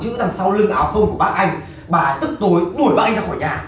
chữ đằng sau lưng áo phông của bác anh bà ấy tức tối đuổi bác anh ra khỏi nhà